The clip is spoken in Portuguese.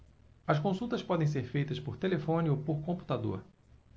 as consultas podem ser feitas por telefone ou por computador